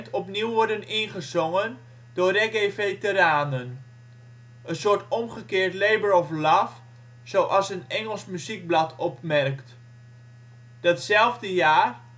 opnieuw worden ingezongen door reggae-veteranen. Een soort omgekeerd Labour Of Love zoals een Engels muziekblad opmerkt. Datzelfde jaar